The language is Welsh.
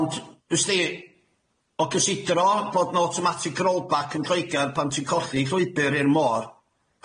Ond w'sti o gysidro bod 'na automatic rollback yn Lloegr pan ti'n colli llwybyr i'r môr,